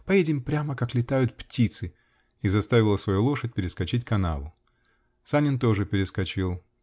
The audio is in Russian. Поедем прямо, как летают птицы"-- и заставила свою лошадь перескочить канаву. Санин тоже перескочил.